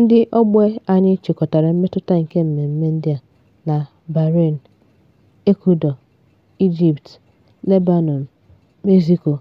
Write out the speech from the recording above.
Ndị ógbè anyị chịkọtara mmetụta nke mmemme ndị a na Bahrain, Ecuador, Ijipt, Lebanọn, Mexico